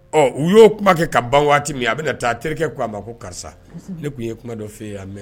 Ɔ u y'o kuma kɛ ka ban waati min a bɛna taa terikɛ ko a ma ko karisa ne tun ye kuma dɔ fɔ e ye a mɛn